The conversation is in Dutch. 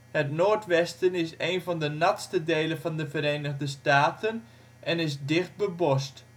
Het noordwesten is één van de natste delen van de Verenigde Staten en is dicht bebost